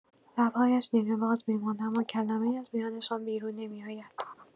لب‌هایش نیمه‌باز می‌ماند، اما کلمه‌ای از میان‌شان بیرون نمی‌آید.